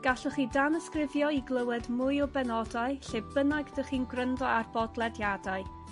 Gallwch chi danysgrifio i glywed mwy o benodau lle bynnag dych chi'n gwryndo ar bodlediadau.